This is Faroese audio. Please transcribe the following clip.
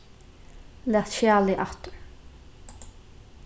lat skjalið aftur